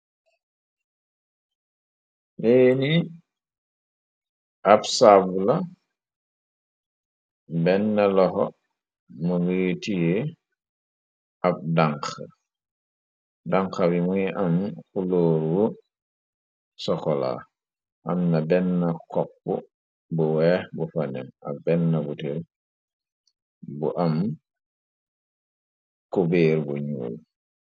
Leeni ab sabu la benn loxo mu ngi tie ab danx danx ri muy am xulóorwu sokola amna benn xopp bu weex bu fane ak benn buter bu am ku béer bu ñyuul.